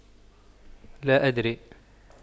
لا أدري